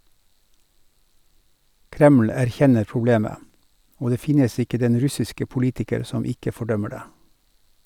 Kreml erkjenner problemet , og det finnes ikke den russiske politiker som ikke fordømmer det.